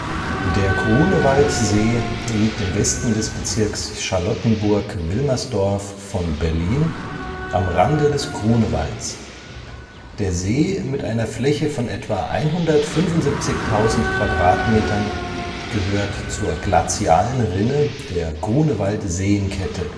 Der Grunewaldsee liegt im Westen des Bezirks Charlottenburg-Wilmersdorf von Berlin, am Rande des Grunewalds. Der See mit einer Fläche von etwa 175.000 m² gehört zur Glazialen Rinne der Grunewaldseenkette